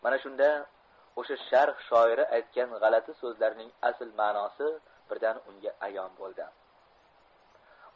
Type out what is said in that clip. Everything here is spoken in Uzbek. mana shunda o'sha sharq shoiri aytgan g'alati so'zlarning asl ma'nosi birdan unga ayon bo'ldi